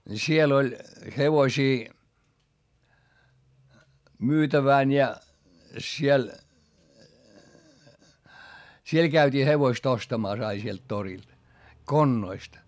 siellä oli hevosia myytävänä ja siellä siellä käytiin hevoset ostamassa aina sieltä torilta konnoista